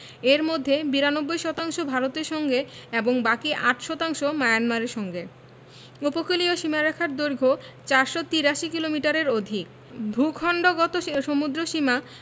এর মধ্যে ৯২ শতাংশ ভারতের সঙ্গে এবং বাকি ৮ শতাংশ মায়ানমারের সঙ্গে উপকূলীয় সীমারেখার দৈর্ঘ্য ৪৮৩ কিলোমিটারের অধিক ভূখন্ডগত সমুদ্রসীমা